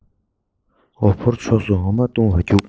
འོ ཕོར ཕྱོགས སུ འོ མ བཏུང བར བརྒྱུགས